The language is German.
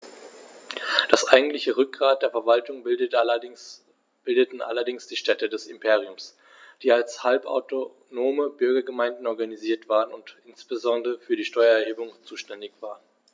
Das eigentliche Rückgrat der Verwaltung bildeten allerdings die Städte des Imperiums, die als halbautonome Bürgergemeinden organisiert waren und insbesondere für die Steuererhebung zuständig waren.